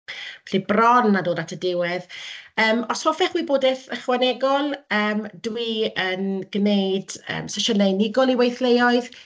Felly bron a dod at y diwedd. Yym os hoffech wybodaeth ychwanegol, yym dwi yn gwneud yym sesiynau unigol i weithleoedd.